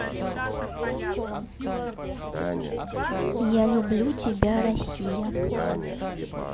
я люблю тебя россия